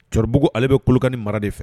Cɛkɔrɔbabugu ale bɛ kulukani mara de fɛ